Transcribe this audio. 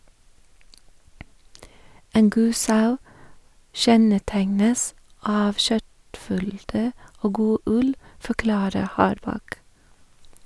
- En god sau kjennetegnes av kjøttfylde og god ull, forklarer Harbakk.